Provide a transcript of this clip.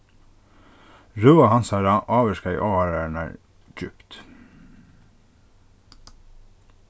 røða hansara ávirkaði áhoyrararnar djúpt